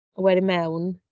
a wedyn mewn.